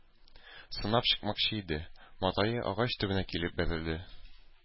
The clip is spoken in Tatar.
Санап чыкмакчы иде, матае агач төбенә килеп бәрелде.